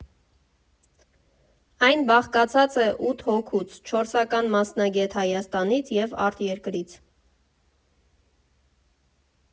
Այն բաղկացած է ութ հոգուց՝ չորսական մասնագետ Հայաստանից և արտերկրից։